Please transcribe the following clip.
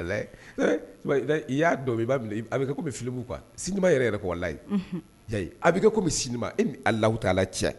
I y' dɔn a bɛ filibu kuwa siniba yɛrɛ yɛrɛ ko' layi a bɛ ko bɛ e ni la taa la cɛ